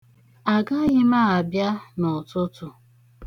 Agaghị abịa n'ụtụtụ.